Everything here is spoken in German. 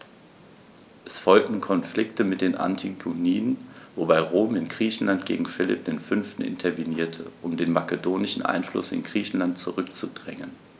Es folgten Konflikte mit den Antigoniden, wobei Rom in Griechenland gegen Philipp V. intervenierte, um den makedonischen Einfluss in Griechenland zurückzudrängen.